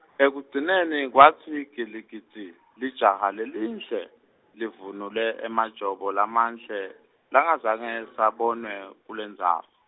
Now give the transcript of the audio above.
ekugcineni kwatsi gilikidzi , lijaha lelihle, livunule emajobo lamahle, langazange sabonwe, kulendzawo.